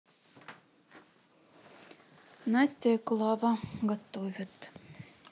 настя и клава готовят